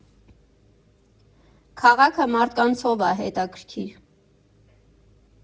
Քաղաքը մարդկանցով ա հետաքրքիր.